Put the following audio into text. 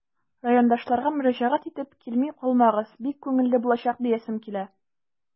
Райондашларга мөрәҗәгать итеп, килми калмагыз, бик күңелле булачак диясем килә.